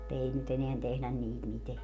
mutta ei nyt enää tehdä niitä mitään